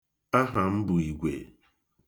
Aha m bụ Igwe.